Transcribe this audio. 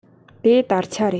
དེ དར ཆ རེད